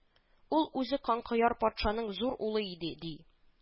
Ул үзе Канкояр патшаның зур улы иде, ди